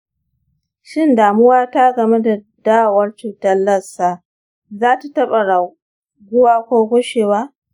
shin damuwata game da dawowar cutar lassa za ta taɓa raguwa ko gushewa?